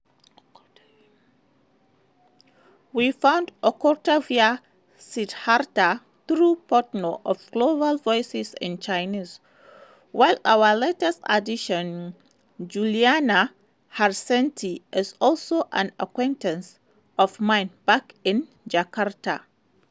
We found Oktavia Sidharta through Portnoy of Global Voices in Chinese, while our latest addition, Juliana Harsianti, is also an acquaintance of mine back in Jakarta.